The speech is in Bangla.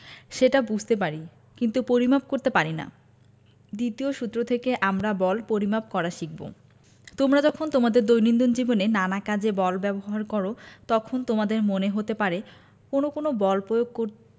সেটা বুঝতে পারি কিন্তু পরিমাপ করতে পারি না দ্বিতীয় সূত্র থেকে আমরা বল পরিমাপ করা শিখব তোমরা যখন তোমাদের দৈনন্দিন জীবনে নানা কাজে বল ব্যবহার করো তখন তোমাদের মনে হতে পারে কোনো কোনো বল প্রয়োগ করতে